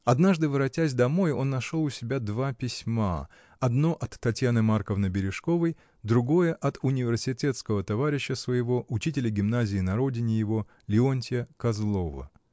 Однажды, воротясь домой, он нашел у себя два письма, одно от Татьяны Марковны Бережковой, другое от университетского товарища своего, учителя гимназии на родине его, Леонтья Козлова.